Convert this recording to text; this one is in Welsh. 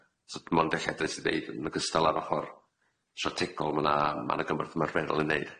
So mond ella jys' i ddeud, yn ogystal â'r ochor strategol ma' 'na ma' 'na gymorth ymarferol i neud.